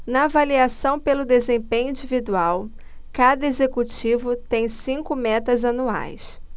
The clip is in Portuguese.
na avaliação pelo desempenho individual cada executivo tem cinco metas anuais